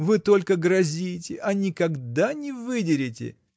Вы только грозите, а никогда не выдерете.